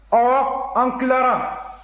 ɔwɔ an tilara